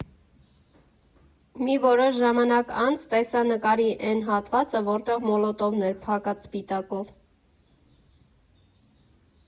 Մի որոշ ժամանակ անց, տեսա նկարի էն հատվածը, որտեղ մոլոտովն էր՝ փակած սպիտակով։